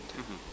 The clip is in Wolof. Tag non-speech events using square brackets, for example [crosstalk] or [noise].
[hesitation] [hesitation]